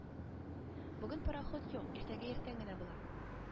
Бүген пароход юк иртәгә иртән генә була